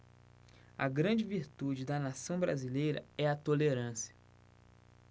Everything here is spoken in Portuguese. a grande virtude da nação brasileira é a tolerância